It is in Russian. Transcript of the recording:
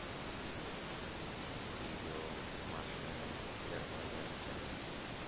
видео машины первая часть